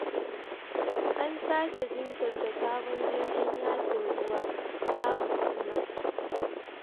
An sake jinkirta sabon jirgin yakin ruwa Jamus kuma